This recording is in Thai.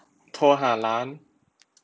โทรหาร้าน